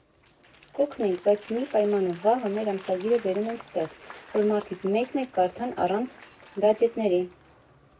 Կօգնենք, բայց մի պայմանով՝ վաղը մեր ամսագիրը բերում ենք ստեղ, որ մարդիկ մեկ֊մեկ կարդան առանց գադջեթների։